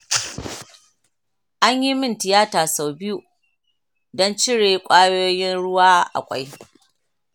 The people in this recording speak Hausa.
an yi min tiyata sau biyu don cire ƙwayoyin ruwa a ƙwai.